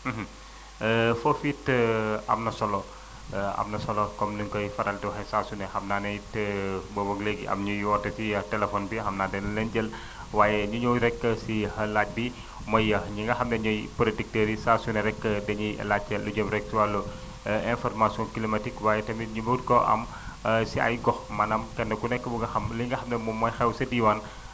foofu it am na solo am na solo comme ni nga koy faral di waxee saa su ne xam naa ne it booboog léegi am ñuy woote si téléphone bi xam naa danañu leen jël waaye ñu ñëw rek si laaj bi mooy ñi nga xam ne ñooy producteurs yi saa su ne rek dañuy laajte lu jëm rek si wàllu information climatique waaye tamit ñu mun koo am si ay gox maanaam kenn ku nekk bëgg a xam li nga xamante ni moom mooy xew sa diwaan